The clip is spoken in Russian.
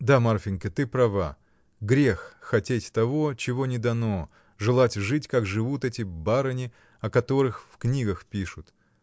Да, Марфинька, ты права: грех хотеть того, чего не дано, желать жить, как живут эти барыни, о которых в книгах пишут.